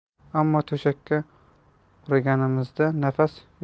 ammo to'shakka o'raganimizda nafas